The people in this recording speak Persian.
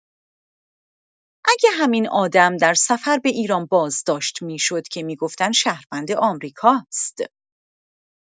اگه همین آدم در سفر به ایران بازداشت می‌شد که می‌گفتن شهروند آمریکاست!